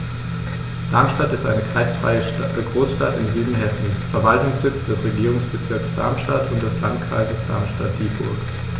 Darmstadt ist eine kreisfreie Großstadt im Süden Hessens, Verwaltungssitz des Regierungsbezirks Darmstadt und des Landkreises Darmstadt-Dieburg.